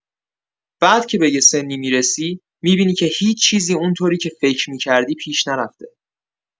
بعد که به یه سنی می‌رسی، می‌بینی که هیچ چیزی اون‌طوری که فکر می‌کردی پیش نرفته.